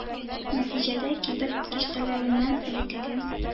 Нәтиҗәдә кибет киштәләреннән элеккеге